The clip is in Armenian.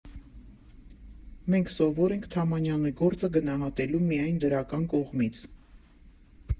Մենք սովոր ենք Թամանյանի գործը գնահատելու միայն դրական կողմից։